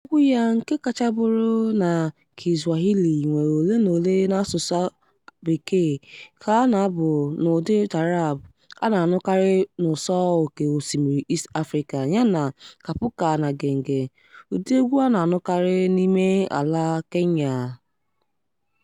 Egwu ya nke kacha bụrụ na Kiswahili nwere ole na ole n'asụsụ Bekee ka a na-abụ n'ụdị Taarab a na-anụkarị n'ụsọ oké osimiri East Africa yana Kapuka na Genge, ụdị egwu a na-anụkarị n'ime ala Kenya.